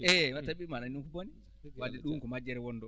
eeyi watta ɓiɓɓe maɗa anndi ɗum ko bone wadde ɗum ko majjere woni ɗo